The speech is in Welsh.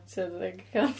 Tua deg y cant.